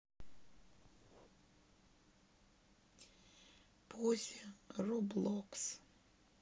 пози роблокс